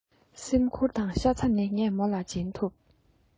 སེམས ཁུར དང ཤ ཚ ནི ངས མོ ལ སྦྱིན ཐུབ